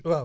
waaw